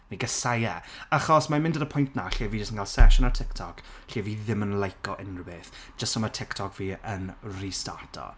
fi'n casáu e achos mae'n mynd at y pwynt 'na lle fi jyst yn cael sesiwn ar TikTok lle fi ddim yn laico unryw beth jyst so ma' TikTok fi yn restarto.